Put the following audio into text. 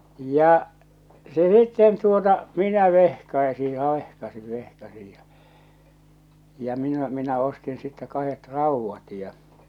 ja se sitten tuota minä vehkaisin ja vehkaisin vehkaisin ja ja minä minä ostin sitten kahdet raudat ja